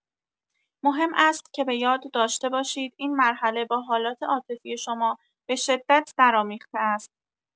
مهم است که بۀاد داشته باشید این مرحله با حالات عاطفی شما به‌شدت درآمیخته است.